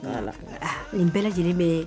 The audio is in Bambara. Nin bɛɛ lajɛlen bɛ